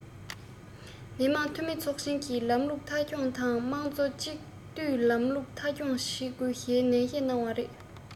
མི དམངས འཐུས མི ཚོགས ཆེན གྱི ལམ ལུགས མཐའ འཁྱོངས དང དམངས གཙོ གཅིག སྡུད ལམ ལུགས མཐའ འཁྱོངས བྱེད དགོས ཞེས ནན བཤད གནང བ རེད